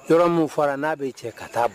Yɔrɔ min fɔra n'a b bɛi cɛ ka taa